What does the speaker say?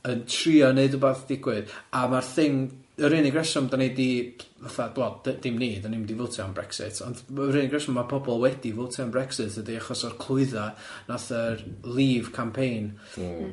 yn trio neud wbath digwydd a ma'r thing, yr unig reswm dan ni di fatha dwi me'wl dy- dim ni, dan ni'n mynd i voteio am Brexit ond yr unig reswm ma' pobl wedi voteio am Brexit ydi achos o'r clwydda nath yr leave campaign m-hm.